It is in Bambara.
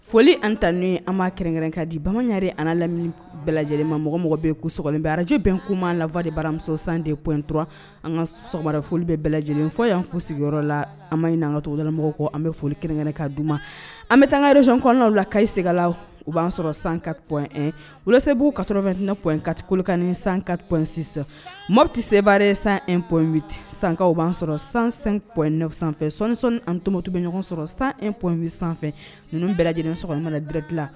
Foli an tanen an' kɛrɛn ka di bamananre an lamɛnini bɛɛ lajɛlen ma mɔgɔ mɔgɔ bɛ ku so bɛ arajobɛn kuma lawale baramuso san de p dɔrɔn an ka foli bɛ bɛɛ lajɛlen fɔ y'an fo sigiyɔrɔ la an ma in n'an ka todamɔgɔ kɔ an bɛ foli kɛrɛn ka d diuuma an bɛ taaga reson kɔnɔnaw la ka seginnala u b'an sɔrɔ san kaɛ olu se b'u ka torofɛnt tɛnaɛ kati kolokannen san kap sisan maaw tɛ sebaare sanp sanka u b'an sɔrɔ san sanp-ɛ sanfɛ sɔ nisɔn antomɔtu bɛ ɲɔgɔn sɔrɔ sanp sanfɛ ninnu bɛɛ lajɛlen so in na d dilan